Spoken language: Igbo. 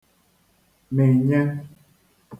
mị̀nye